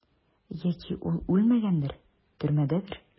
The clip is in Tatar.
Яки ул үлмәгәндер, төрмәдәдер?